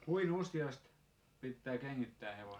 kuinka useasti pitää kengittää hevonen